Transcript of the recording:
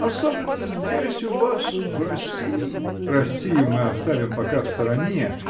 Особенно здесь у вас, в России, -- Россию мы оставим пока в стороне